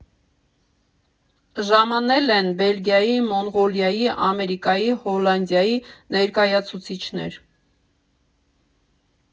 Ժամանել են Բելգիայի, Մոնղոլիայի, Ամերիկայի, Հոլանդիայի ներկայացուցիչներ։